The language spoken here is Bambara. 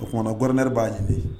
Oumana gɛ b'a ɲini